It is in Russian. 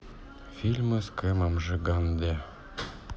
фильмы с кэмом жиганде